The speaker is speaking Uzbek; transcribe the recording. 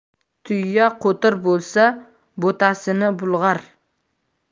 tuya qo'tir bo'lsa bo'tasini bulg'ar